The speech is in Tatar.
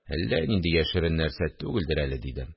Әллә нинди яшерен нәрсә түгелдер әле, – дидем